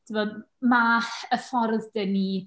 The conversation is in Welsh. Tibod, ma' y ffordd dan ni...